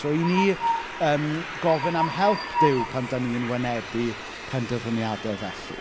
So 'y ni yn gofyn am help Duw pan dan ni yn wynebu penderfyniadau felly.